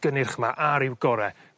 gynnyrch 'ma ar i'w gore